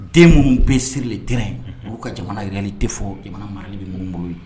Den minnu bɛɛ selili dɔrɔn yen oluu ka jamana yɛrɛli tɛ fɔ jamana marali bɛ mun bolo ye